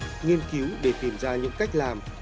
nghiên cứu để tìm ra những cách làm